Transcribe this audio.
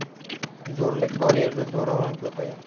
zo'rlik bor yerda zo'ravon ko'payar